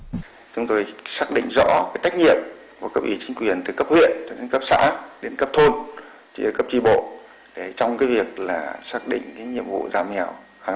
chúng tôi xác định rõ cái trách nhiệm của cấp ủy chính quyền từ cấp huyện cấp xã đến cấp thôn chia cấp chi bộ để trong cái việc là xác định những nhiệm vụ giảm nghèo